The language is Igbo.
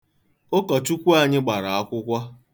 Ụkọchukwu anyị gbara akwụkwọ.